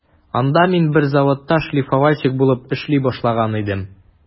Анда мин бер заводта шлифовальщик булып эшли башлаган идем.